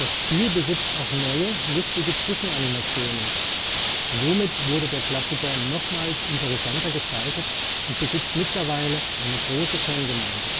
Spiel besitzt auch neue lustige Zwischen - Animationen. Somit wurde der Klassiker nochmals interessanter gestaltet und besitzt mittlerweile eine große Fangemeinde